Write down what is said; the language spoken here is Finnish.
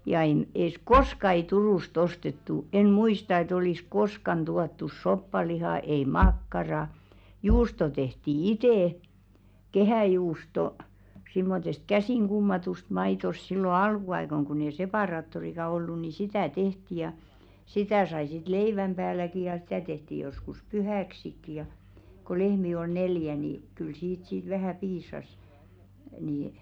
ja en - koska ei Turusta ostettu en muista että olisi koskaan tuotu soppalihaa ei makkaraa juusto tehtiin itse kehäjuusto semmoisesta käsin kummatusta maidosta silloin alkuaikoina kun ei separaattoriakaan ollut niin sitä tehtiin ja sitä sai sitten leivän päälläkin ja sitä tehtiin joskus pyhäksikin ja kun lehmiä oli neljä niin kyllä siitä sitten vähän piisasi niin